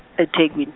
etegwini.